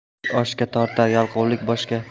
ish oshga tortar yalqovlik boshga